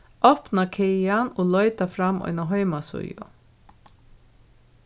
opna kagan og leita fram eina heimasíðu